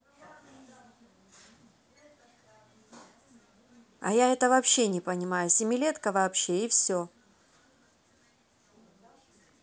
а я это вообще не понимаю семилетка вообще и все